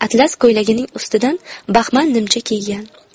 atlas ko'ylagining ustidan baxmal nimcha kiygan